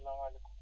salamu aleykum